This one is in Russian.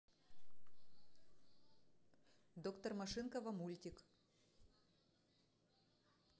доктор машинкова мультик